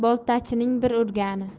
boltachining bir urgani